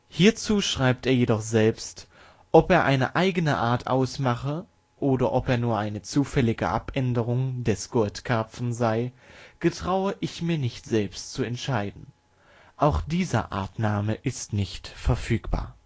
Hierzu schreibt er jedoch selbst: „ Ob er eine eigene Art ausmache oder nur eine zufällige Abänderung des Goldkarpfen sey, getraue ich mir nicht selbst zu entscheiden “. Auch dieser Artname ist nicht verfügbar